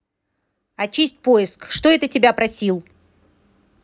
очисть поиск что это тебя просил